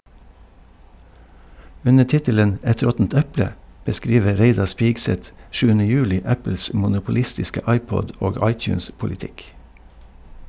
Under tittelen "Et råttent eple" beskriver Reidar Spigseth 7. juli Apples monopolistiske iPod- og iTunes-politikk.